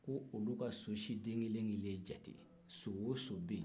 ko olu ka so siden kelen-kelen jate so o so bɛ ye